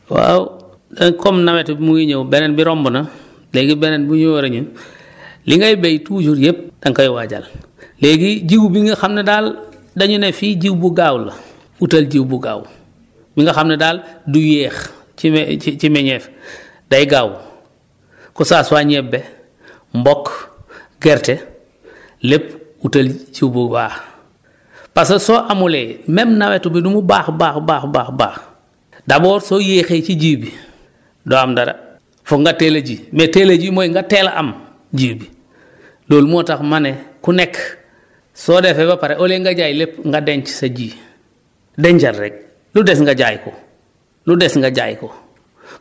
waaw comme nawet bi mu ngi ñëw beneen bi romb na léegi beneen mu ngi war a ñëw li ngay béy toujours yëpp da nga koy waajal léegi jiw bi nga xam ne daal dañu ne fii jiw bu gaaw la utal jiw bu gaaw bi nga xam ne daal du yéex ci me ci meññeef day gaaw que ça soit ñebe mboq gerte lépp utal jiw bu baax parce que soo amulee même nawet bi lu mu baax baax baax baax baax d' abord soo yéexee ci ji bi doo am dara foog nga teel a ji mais teel a ji mooy nga teel a am ji bi loolu moo tax ma ne ku nekk soo defee ba pare au lieu nga jaay lépp nga denc sa ji dencal rek lu des nga jaay ko lu des nga jaay ko